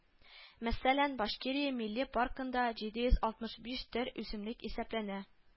Мәсәлән, Башкирия милли паркында җиде йөз алтмыш биш төр үсемлек исәпләнә